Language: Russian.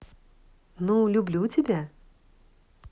ну люблю я тебя